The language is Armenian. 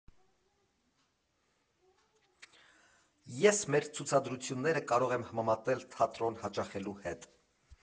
Ես մեր ցուցադրությունները կարող եմ համեմատել թատրոն հաճախելու հետ։